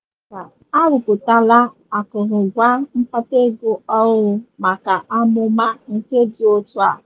Na South Afrịka, arụpụtala akụrụngwa mkpataego ọhụrụ maka amụma nke dị otu a.